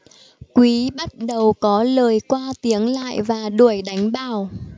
quý bắt đầu có lời qua tiếng lại và đuổi đánh bảo